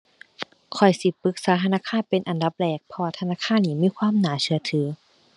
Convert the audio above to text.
ข้อยสิปรึกษาธนาคารเป็นอันดับแรก เพราะว่าธนาคารนี่มีความน่าเชื่อถือ